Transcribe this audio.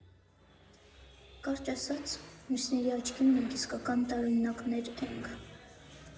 Կարճ ասած՝ մյուսների աչքին մենք իսկական տարօրինակներ ենք։